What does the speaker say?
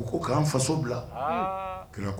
U ko k'an faso bila, ahh!